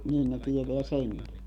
niin ne tietää senkin